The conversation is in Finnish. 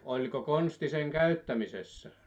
oliko konsti sen käyttämisessä